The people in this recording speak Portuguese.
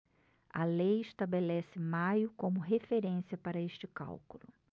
a lei estabelece maio como referência para este cálculo